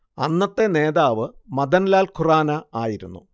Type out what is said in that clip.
അന്നത്തെ നേതാവ് മദൻലാൻ ഖുറാന ആയിരുന്നു